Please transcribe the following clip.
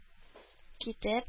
Китеп